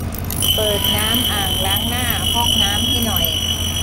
เปิดน้ำอ่างล้างหน้าห้องน้ำให้หน่อย